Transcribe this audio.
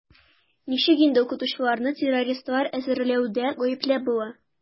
Ничек инде укытучыларны террористлар әзерләүдә гаепләп була?